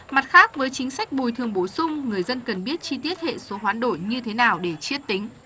mặt khác với chính sách bồi thường bổ sung người dân cần biết chi tiết hệ số hoán đổi như thế nào để chiết tính